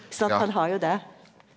sant han har jo det.